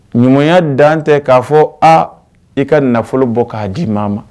Ɲumanya dan tɛ k'a fɔ, aa i ka nafolo bɔ k'a di maa ma.